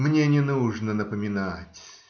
Мне не нужно напоминать.